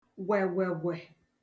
gwègwègwè